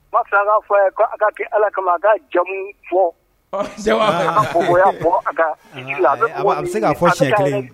Ba ka fɔ ye ko a ka kɛ ala kama a ka jamu fɔ a ka a bɛ se k kaa fɔ sɛ ye